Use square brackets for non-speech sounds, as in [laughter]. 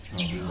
[hesitation] [hesitation]